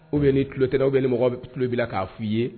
O bɛ ni tulolo tɛ aw bɛ mɔgɔ tulo bɛ k'a f fɔ i ye